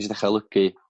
neshi ddechra olygu